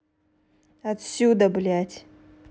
отсюда блять